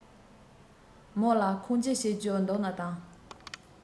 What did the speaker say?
མོ ལ ཁུངས སྐྱེལ བྱེད རྒྱུ འདུག ན དང